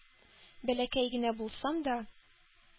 Бәләкәй генә булсам да,